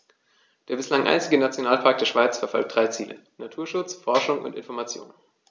Der bislang einzige Nationalpark der Schweiz verfolgt drei Ziele: Naturschutz, Forschung und Information.